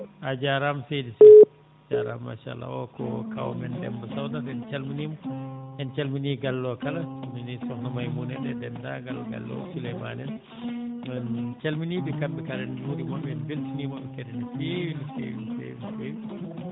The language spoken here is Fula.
a jaaraama seydi a jaaraama machallah o ko kaawu men Demba Sogata en calminii mo en calminii galle oo kala en calminii sokhna Maimouna e denndaangal galle Souleymany en en calminii ɓe kamɓe kala en njuuriima ɓe en mbeltaniima ɓe kadi no feewi no feewi no feewi